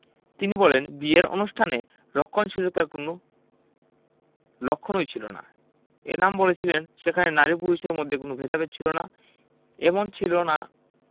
তিনি বলেন বিয়ের অনুষ্ঠানে রক্ষণশীলতার কোনো লক্ষণই ছিল না এনাম বলেছিলেন সেখানে নারী পুরুষের মধ্যে কোনো ভেদাভেদ ছিল না এমন ছিল না